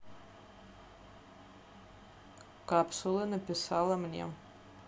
капсулы написала мне